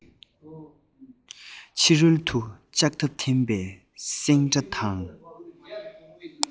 ཕྱི རོལ དུ ལྕགས ཐག འཐེན པའི སིང སྒྲ དང